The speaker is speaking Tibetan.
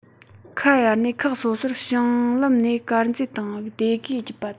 ཁ གཡར ནས ཁག སོ སོར བྱང ལམ ནས དཀར མཛེས དང བདེ དགེ བརྒྱུད པ དང